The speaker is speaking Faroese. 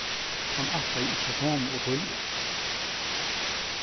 hann ætlaði ikki at koma ov tíðliga